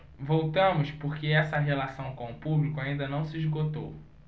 voltamos porque essa relação com o público ainda não se esgotou